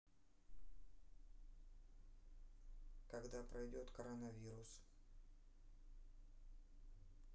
когда пройдет коронавирус